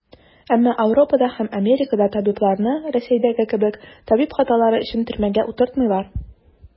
Әмма Ауропада һәм Америкада табибларны, Рәсәйдәге кебек, табиб хаталары өчен төрмәгә утыртмыйлар.